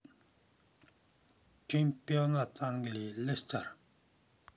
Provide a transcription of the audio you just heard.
чемпионат англии лестер